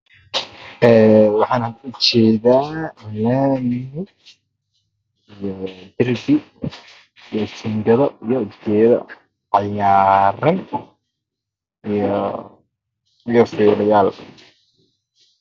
Ee Waxaan ujeeda lami cagaaran iyo jingado iyo fila yaal